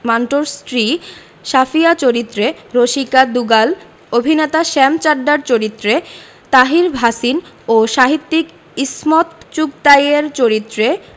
মান্টোর স্ত্রী সাফিয়া চরিত্রে রসিকা দুগাল অভিনেতা শ্যাম চাড্ডার চরিত্রে তাহির ভাসিন ও সাহিত্যিক ইসমত চুগতাইয়ের চরিত্রে